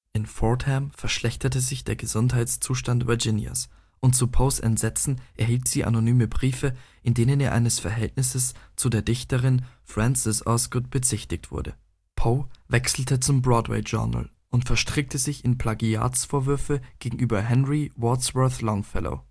In Fordham verschlechterte sich Virginias Gesundheitszustand, und zu Poes Entsetzen erhielt sie anonyme Briefe, in denen er eines Verhältnisses zu der Dichterin Frances Sargent Osgood bezichtigt wurde. Poe wechselte zum Broadway Journal und verstrickte sich in Plagiatsvorwürfe gegenüber Henry Wadsworth Longfellow